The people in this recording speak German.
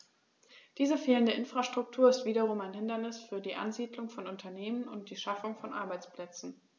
Diese fehlende Infrastruktur ist wiederum ein Hindernis für die Ansiedlung von Unternehmen und die Schaffung von Arbeitsplätzen.